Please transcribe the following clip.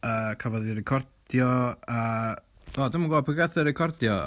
A cafodd ei recordio, a... A, dwi'm yn gwybod pryd gath o'i recordio.